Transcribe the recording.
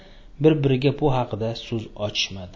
bir biriga bu xaqida so'z ochishmadi